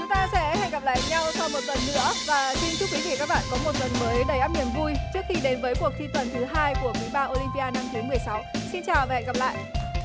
chúng ta sẽ hẹn gặp lại nhau sau một tuần nữa và xin chúc quý vị và các bạn có một tuần mới đầy ắp niềm vui trước khi đến với cuộc thi tuần thứ hai của quý ba ô lim pi a năm thứ mười sáu xin chào và hẹn gặp lại